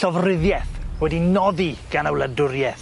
llofruddieth wedi noddi gan y wladwrieth.